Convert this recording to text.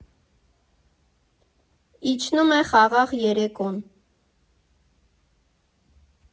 Իջնում է խաղաղ երեկոն։